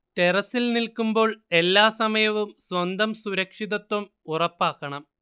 ടെറസ്സിൽ നിൽക്കുമ്പോൾ എല്ലാ സമയവും സ്വന്തം സുരക്ഷിതത്വം ഉറപ്പാക്കണം